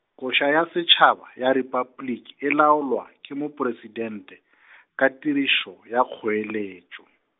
Koša ya Setšhaba, ya Repabliki, e laolwa, ke mopresitente , ka tirišo, ya kgoeletšo.